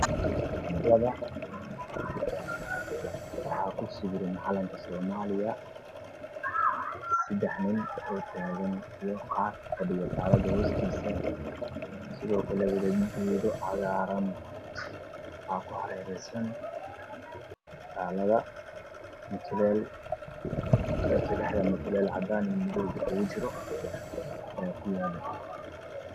Waa taalo waxaa ku sawiran calanka Soomaaliya